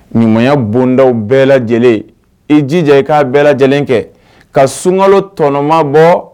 Ɲumanya bonda bɛɛ lajɛlen i jija i k'a bɛɛ lajɛlen kɛ ka sunka tɔnɔma bɔ